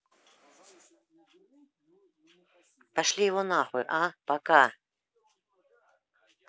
пошли его нахуй а пока